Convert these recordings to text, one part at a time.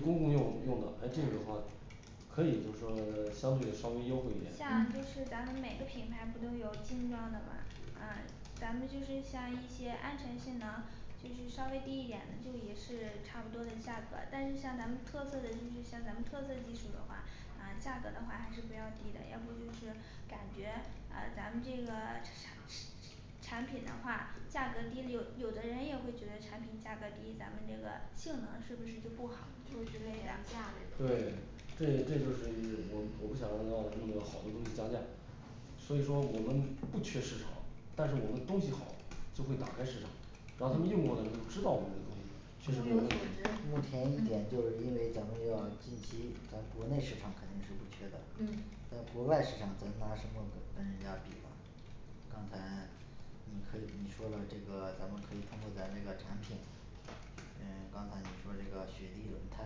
公共用用的诶这个的话可以就是说相对稍微优惠一点像就是咱们每个品牌不是就有一些呃咱们就是像一些安全性能就是稍微低一点就只是差不多的价格，但是像咱们特色的技术像咱们特色技术的话呃价格的话还是比较低的，要不就是感觉呃咱们这个产品的话价格低，有有的人也会觉得产品价格低，咱们这个性能是不是就不好就是觉的廉价这种对这这就是我我不想让他弄个好的东西降价，所以说我们不缺市场，但是我们东西好，就会打开市场然后他们用过的都知道我们这个东西确实没有任何问题目前一点就是因为咱们这个近期在国内市场肯定是不缺的嗯，在国外市场咱拿什么跟人家比呢刚才你可以你说说这个咱们可以通过咱这个产品嗯刚才你说这个雪地轮胎，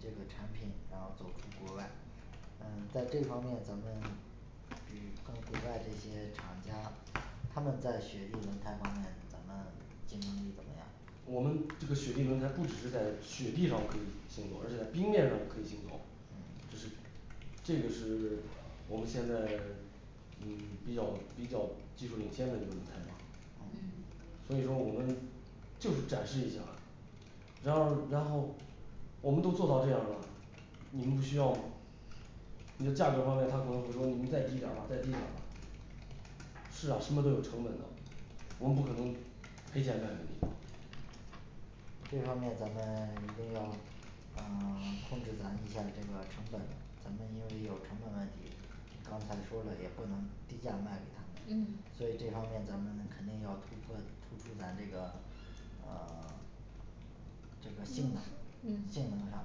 这个产品，然后走出国外&嗯&嗯在这方面咱们跟国外的这些厂家，他们在雪地轮胎方面咱们竞争力怎么样？我们这个雪地轮胎不只是在雪地上可以行走，而且在冰面上也可以行走。这是这个是我们现在嗯比较比较技术领先的一个轮胎吧嗯所以说我们就是展示一下然后然后我们都做到这样了，你们不需要你的价格方面他可能会说你们再低点儿吧再低点儿吧是啊什么都有成本的。我们不可能赔钱卖给你。这方面咱们一定要嗯 控制咱们一下这个成本，咱们因为有成本问题刚才说了也不能低价卖给他们嗯，所以这方面咱们肯定要突破突出咱这个呃这个性能性嗯能上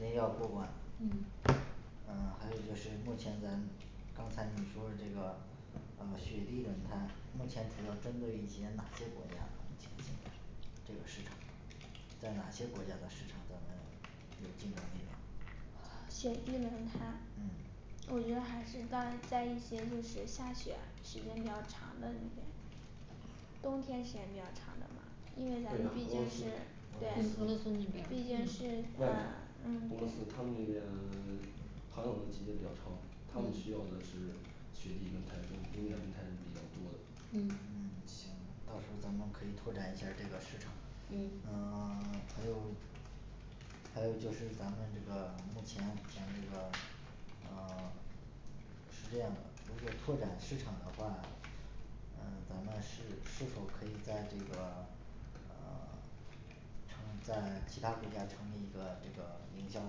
您要不管嗯嗯还有就是目前咱刚才你说的这个呃雪地轮胎目前主要针对一些哪些国家这个市场，在哪些国家的市场当中有竞争力雪地轮胎嗯我觉得还是在在一些就是下雪时间比较长的一点冬天雪比较长的因对，为咱们那俄边罗是斯对俄罗斯嗯那边是嗯俄罗斯他们那边 他们那季节比较长，他们需要的是雪地轮胎跟冰凉轮胎是比较多的嗯到时候咱们可以拓展一下儿这边儿市场。嗯 还有还有就是咱们这个目前咱们这个呃 是这样的，如果拓展市场的话，嗯咱们是是否可以在这个成在其他国家成立一个这个营销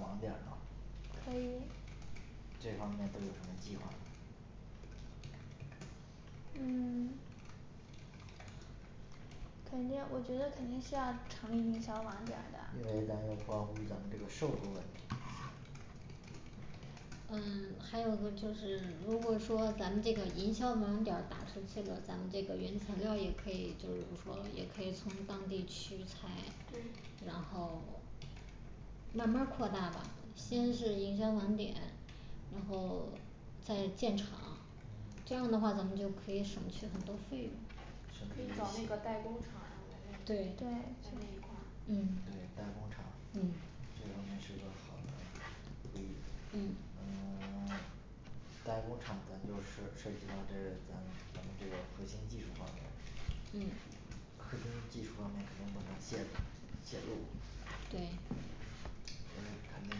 网点儿吗可以这方面都有什么计划？嗯 肯定我觉得肯定是要成立营销网点儿的对咱们这个关乎咱们这个售后问题嗯还有一个就是如果说咱们这个营销网点儿就是这个咱们这个原材料也可以就是说也可以从当地取材对然后慢慢儿扩大了，先是营销网点，然后再建厂这样的话咱们就可以省去很多费用可以找那个代工厂，然后在对在对那一块儿代工厂嗯这样就涉及到好多地方嗯利益嗯 代工厂那就是涉及到这个咱们咱们这个核心技术方面嗯核心技术方面肯定不能介介入。对所以肯定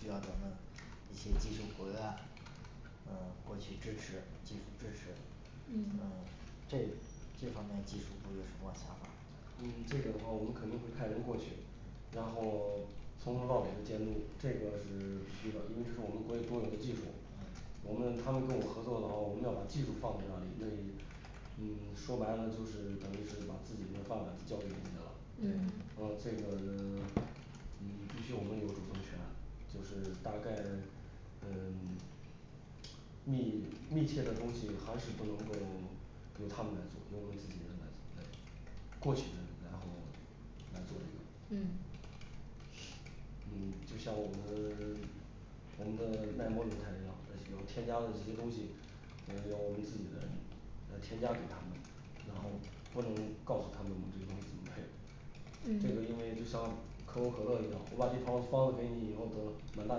需要咱们一些技术骨干嗯过去支持技术支持&嗯&嗯这这方面技术都有什么想法儿嗯这个的话我们肯定会派人过去，然后 从头到尾的监督，这个是必须的，因为这是我们国国有的技术我们他们跟我合作的话，我们要把技术放在那里那于嗯说白了就是等于是把自己的饭碗都交给人家了嗯嗯嗯这个 嗯必须我们有主动权，就是大概嗯 密密切的东西还是不能够由他们来做，由我们自己人来来过去然后来做这个嗯嗯就像我们我们的耐磨轮胎一样，这是有添加的这些东西呃有我们自己的人添加给他们，然后不能告诉他们我们这个东西怎么配。这个嗯因为就像可口可乐一样，我把这套方子给你以后得了满大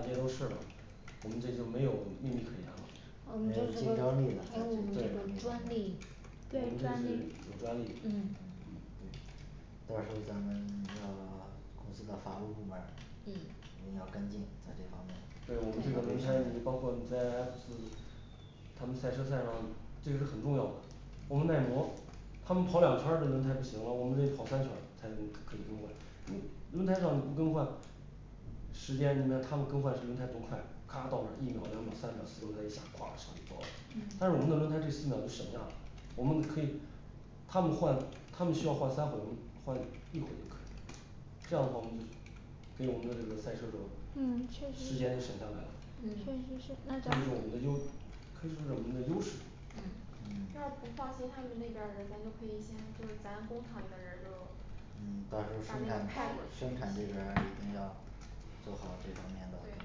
街都是了我们这就没有秘密可言了。对我们有这是有专专利利专利对专利。的嗯嗯到时候咱们的公司的法务部门儿一定嗯要跟进，像这方面对我们这个轮胎，你包括你在X 他们赛车赛上这个是很重要的我们耐磨他们跑两圈儿这轮胎不行了，我们得跑三圈儿才能可以更换轮轮胎上不更换时间你看他们更换是轮胎多快，咔到那儿一秒两秒三秒四个轮胎一下哐上就走了嗯但是我们的轮胎这四秒就省下了，我们可以他们换他们需要换三回，我们换一回就可以这样的话我们就给我们的赛车手嗯确时实间都省下来了，这确实就是是那咱我们的优这就是我们的优势要是不放心，他们那边儿的人，咱就可以先就是咱工厂里的人儿就嗯到时候把生那个产派过，去生产这边一定要做好这方面的准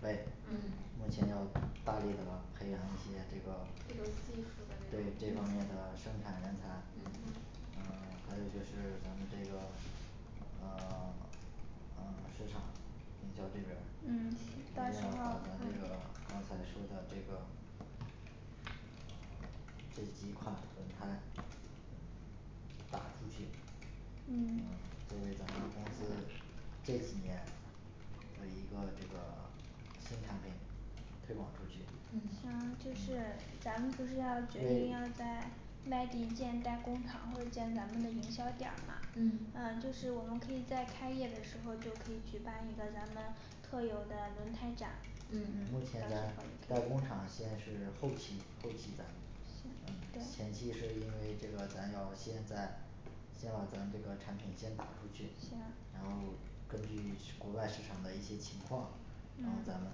对备嗯。目前要大力地培养一些这个这种技术对的这方面的生产人才嗯还有就是咱们这个呃 呃市场营销这边儿嗯，到刚时候才说的这个这几款轮胎打出去，嗯这对咱们公司这几年。是一个这个新产品推广出去嗯嗯像就是咱们不是要决定要在卖零件盖工厂，或者建咱们的营销点儿嘛，嗯啊就是我们可以在开业的时候就可以去办一个咱们特有的轮胎展目前咱代工厂先是后期后期咱们嗯前期是因为这个咱要先在先把咱这个产品先打出去行然后根据国外市场的一些情况然后嗯咱们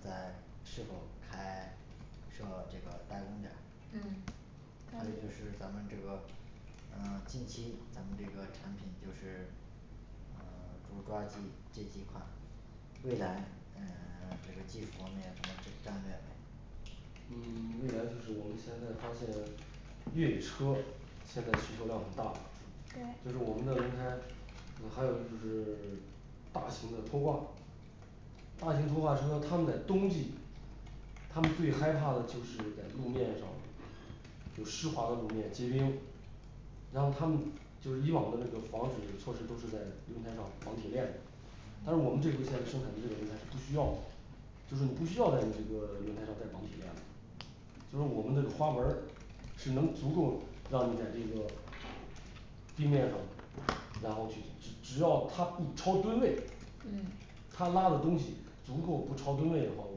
再是否开设这个代售点。嗯还有就是咱们这个嗯近期咱们这个产品就是主抓几这几款未来嗯这个技术方面的战略。嗯未来就是我们现在发现越野车现在需求量很大对就是我们的轮胎还有就是大型的拖挂，大型拖挂车，它们在冬季它们最害怕的就是在路面上有湿滑的路面结冰，然后他们就是以往的防止措施都是在轮胎上绑铁链的但是我们这回现在生产的这个轮胎是不需要，就是你你不需要在你这个轮胎上再绑铁链子就是我们这个花纹儿是能足够让你在这个地面上然后去去只要它不超吨位嗯他拉的东西足够不超吨位的话，我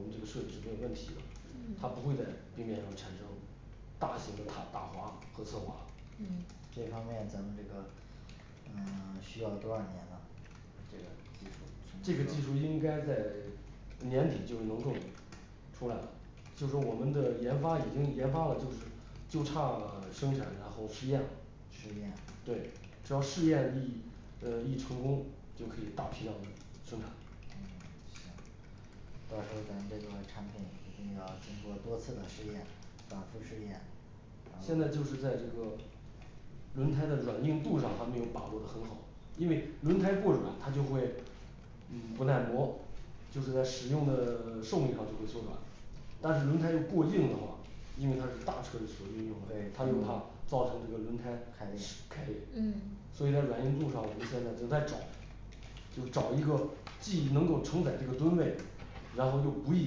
们这个设计是没有问题的，他不会在地面上产生大型的打打滑和侧滑嗯这方面咱们这个嗯需要多少年呢？这个技术这个技术应该在年底就能够出来了。就是说我们的研发已经研发了就是就差生产，然后试验试验对只要试验你呃一成功就可以大批量的生产嗯行到时候咱们这个产品一定要经过多次的试验，反复实验现在就是在这个轮胎的软硬度上还没有把握得很好因为轮胎过软它就会嗯不耐磨，就是在使用的 寿命上就会缩短但是轮胎又过硬的话，因为它是大车所运用的，他又对怕造成这个轮胎开开裂裂&嗯&，所以在软硬度上我们现在正在找就找一个既能够承载这个吨位，然后又不易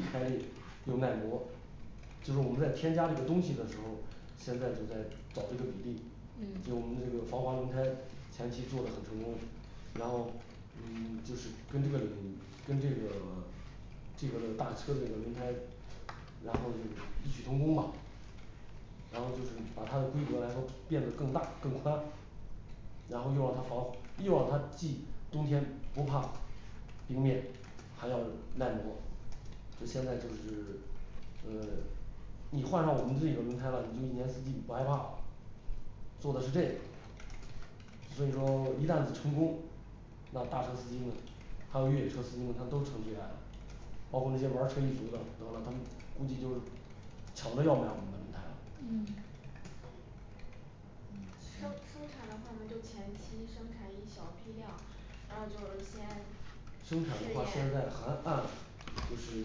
开裂又耐磨就是我们在添加这个东西的时候，现在就在找这个比例，就嗯是我们这个防滑轮胎前期做得很成功，然后嗯就是跟这个领跟这个这个的大车的那个轮胎然后那个异曲同工吧然后就是把它的规格来说变得更大更宽，然后又让他防又让它忌冬天不怕冰面，还要耐磨。就现在就是呃你换上我们这个轮胎了，你就一年四季不害怕。做的是这个所以说一旦成功，那大车司机们还有越野车司机们它都成最爱了包括那些玩儿车一族的得了，他们估计就是抢着要买我们的轮胎了嗯生生产的话我们就前期生产一小批量然后就是先实生产的话现在验还按就是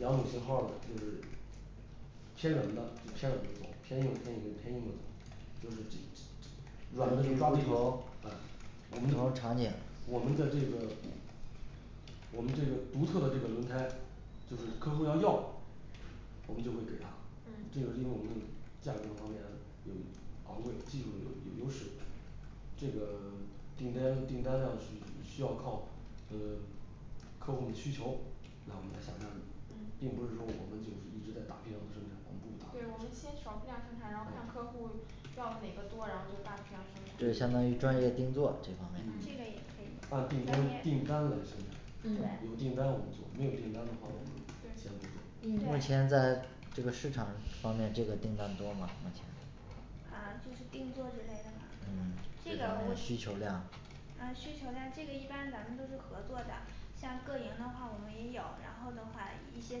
两种型号儿就是偏软的就偏软的走，偏硬的就偏硬的走。就是这这软的就是抓地力好我不们的同场景我们的这个我们这个独特的这个轮胎就是客服要要我们就会给他这嗯个是因为我们价格方面有昂贵技术，有有优势这个订单订单量是需要靠嗯客户的需求来我们来下单的，并不是说我们就是一直在大批量的生产，我们不大批对量我们先生产少批量生产，然后看客户要的哪个多，然后就大批量就生产相当对于专业定做这方面嗯嗯按订单订单来生产。 对嗯有订单我们做，没有订单的话我们先对不做目对嗯前在这个市场方面这个订单多吗目前？啊就是定做之类的吗？。啊嗯这个我需需求求量量一般咱们都是合作的，像个营的话我们也有然后的话一些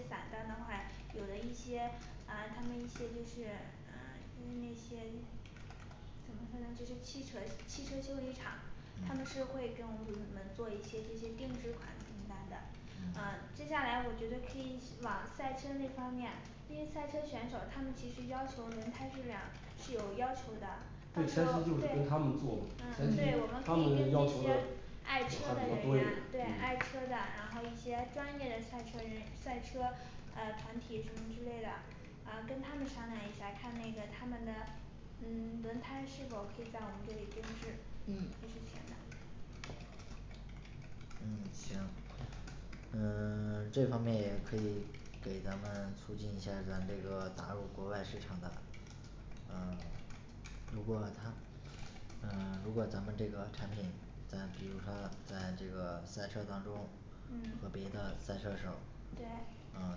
散单的话，有的一些啊他们一些就是就是那些怎么说，就是汽车汽车修理厂，他们是会给我们做一些这些定制款嗯接下来我觉得可以往赛车那方面，因为赛车选手他们其实要求轮胎质量是有要求的到对时前期候对跟他们做嘛前嗯期对，我们可他以们跟要一求的些我看比爱车的人啊较多一点儿。对爱车嗯的然后一些专业的赛车人赛车呃团体什么之类的，啊跟他们商量一下，看那个他们的嗯轮胎是否可以在我们这里编制，这嗯是行的嗯行呃 这方面也可以给咱们促进一下儿咱这个打入国外市场的啊如果他呃如果咱们这个产品嗯比如说在赛车当中嗯和别的赛车手，嗯嗯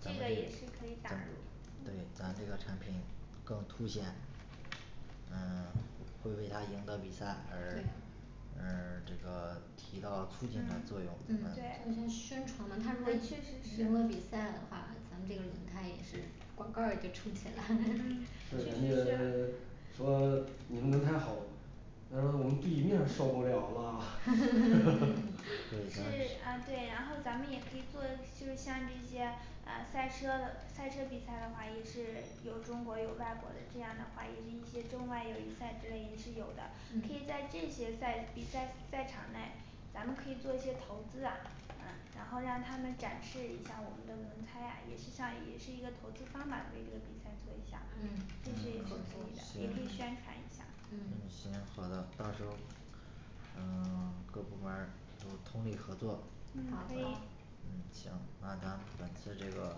对咱。这们个也是可以打对咱这个产品更凸显。嗯会为他赢得比赛而嗯这个提到资金的作用以对前宣传啊他如果确实是审核比赛的话，可能这个轮胎也是广告儿也就出去了 嗯是人家说你们轮胎好，他说我们地面儿受不了了 是啊对，然后咱们也可以做，就是像这些啊赛车赛车比赛的话也是有中国有外国的，这样的话也是一些中外友谊赛之类也是有的可以在这些赛季赛赛场内咱们可以做一些投资啊然后让他们展示一下我们的轮胎，也是像也是一个投资方吧这个轮胎做一下，嗯就是同意的也可以宣传一下嗯行好的到时候嗯 各部门儿通力合作嗯可以好好嗯行那那本次这个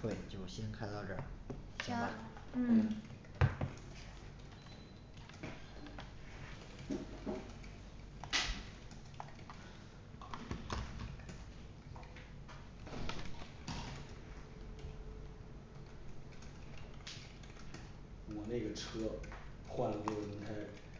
会就先开到这儿散会行行好嘞嗯我那个车换了那个轮胎